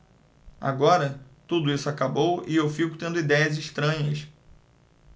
agora tudo isso acabou e eu fico tendo idéias estranhas